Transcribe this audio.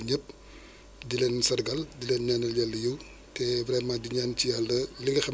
dégg nga ah day day day day yokku du moins émission rayon kii quopi infra rouge yi